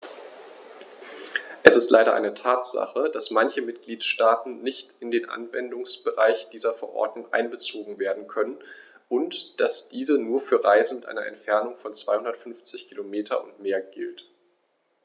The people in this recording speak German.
Es ist leider eine Tatsache, dass manche Mitgliedstaaten nicht in den Anwendungsbereich dieser Verordnung einbezogen werden können und dass diese nur für Reisen mit einer Entfernung von 250 km oder mehr gilt.